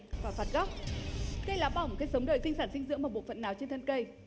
là phạt góc cây lá bỏng cây sống đời sinh sản sinh dưỡng bằng bộ phận nào trên thân cây